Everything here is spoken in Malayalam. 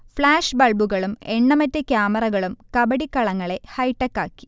ഫ്ളാഷ് ബൾബുകളും എണ്ണമറ്റ ക്യാമറകളും കബഡി കളങ്ങളെ ഹൈടെക്കാക്കി